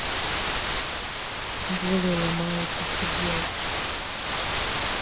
более ломаются что делать